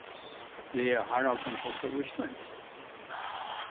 lea haraldsen tosar íslendskt